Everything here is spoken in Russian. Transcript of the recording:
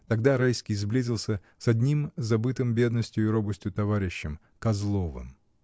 Тогда Райский сблизился с одним забитым бедностью и робостью товарищем, Козловым.